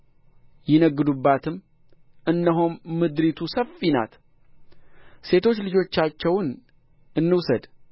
ይነግዱባትም እነሆም ምድሪቱ ሰፊ ናት ሴቶች ልጆቻቸውን እንውሰድ